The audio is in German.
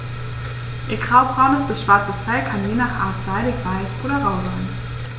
Ihr graubraunes bis schwarzes Fell kann je nach Art seidig-weich oder rau sein.